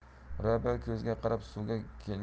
robiya ko'zaga qarab suvga kelganini esladi